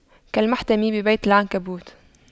كالمحتمي ببيت العنكبوت